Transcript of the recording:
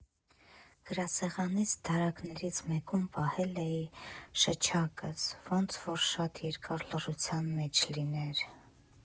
Գրասեղանիս դարակներից մեկում պահել էի շչակս, ոնց֊որ շատ երկար լռության մեջ լիներ։